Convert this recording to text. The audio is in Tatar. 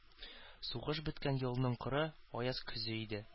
Сугыш беткән елның коры, аяз көзе иде.